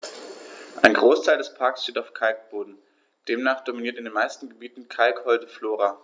Ein Großteil des Parks steht auf Kalkboden, demnach dominiert in den meisten Gebieten kalkholde Flora.